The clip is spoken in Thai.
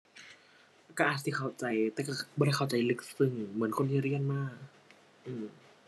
ก็อาจสิเข้าใจแต่ก็บ่ได้เข้าใจลึกซึ้ง เหมือนคนที่เรียนมา อือ